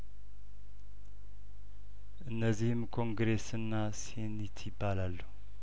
እነዚህም ኮንግሬስና ሴኒት ይባላሉ